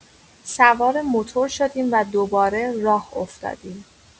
سوار موتور شدیم و دوباره راه افتادیم.